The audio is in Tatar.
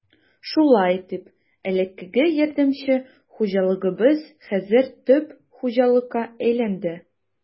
Шулай итеп, элеккеге ярдәмче хуҗалыгыбыз хәзер төп хуҗалыкка әйләнде.